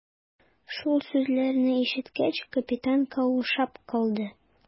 Шул сүзләрне ишеткәч, капитан каушап калды.